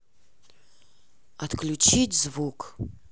отключить звук